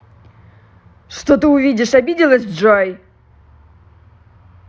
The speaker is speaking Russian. что ты увидишь обиделась джой